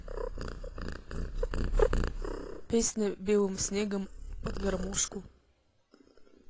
песня белым снегом под гармошку